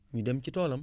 ñu dem ci toolam